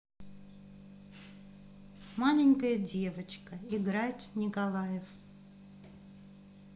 маленькая дочка игорь николаев